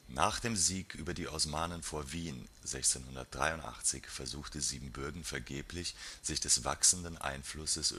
Nach dem Sieg über die Osmanen vor Wien (1683) versuchte Siebenbürgen vergeblich, sich des wachsenden Einflusses